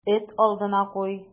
Эт алдына куй.